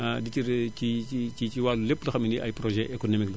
di ci ci ci ci ci wàllu lépp nga xam ne ni ay projets économiques la